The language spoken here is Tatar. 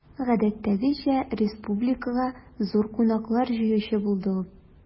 Гадәттәгечә, республикага зур кунаклар җыючы булды ул.